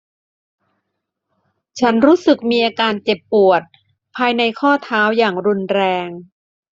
ฉันรู้สึกมีอาการเจ็บปวดภายในข้อเท้าอย่างรุนแรง